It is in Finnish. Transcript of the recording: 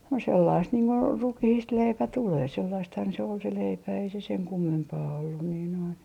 no sellaista niin kuin rukiista leipä tulee sellaistahan se oli se leipä ei se sen kummempaa ollut niin noin